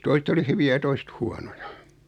toiset oli hyviä ja toiset huonoja